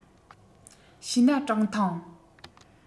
བྱས ན གྲངས ཐང